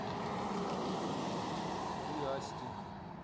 и асти